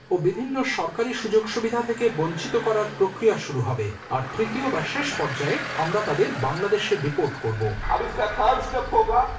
ও বিভিন্ন সরকারি সুযোগ সুবিধা থেকে বঞ্চিত করার প্রক্রিয়া শুরু হবে ও তৃতীয় বা শেষ পর্যায়ে আমরা তাদের বাংলাদেশে ডিপোর্ট করব আব ইসকা থার্ড স্টেপ হোগা